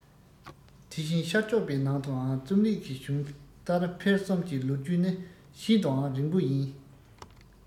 དེ བཞིན ཤར ཕྱོགས པའི ནང དུའང རྩོམ རིག གི བྱུང དར འཕེལ གསུམ གྱི ལོ རྒྱུས ནི ཤིན ཏུའང རིང པོ ཡིན